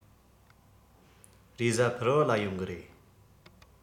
རེས གཟའ ཕུར བུ ལ ཡོང གི རེད